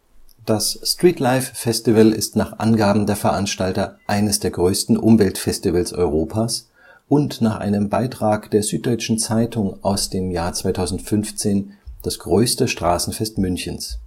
Das Streetlife Festival ist nach Angaben der Veranstalter eines der größten Umweltfestivals Europas und nach einem Beitrag der Süddeutschen Zeitung aus dem Jahr 2015 das größte Straßenfest Münchens